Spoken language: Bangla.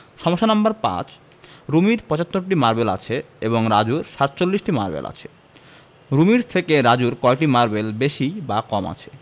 সমস্যা নাম্বার ৫ রুমির ৭৫টি মারবেল আছে এবং রাজুর ৪৭টি মারবেল আছে রুমির থেকে রাজুর কয়টি মারবেল বেশি বা কম আছে